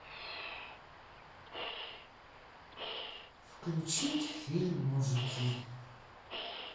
включить фильм мужики